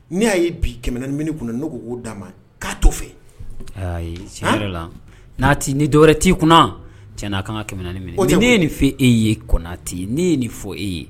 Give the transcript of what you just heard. N'i y'a ye bi 2000 Fr bɛ ne kunna ,ne ko ko d'a ma, k'a to fɛ. Ayi, tiɲɛ wɛrɛ la n'a t'i ni dɔ wɛrɛ t'i kunna .Tiɲɛ na a ka kan ka 2000 Fr minɛ. nO tɛ koyi, ne ye nin fɔ e ye Konate ne ye nin fɔ e ye.